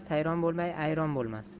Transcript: sayron bo'lmay ayron bo'lmas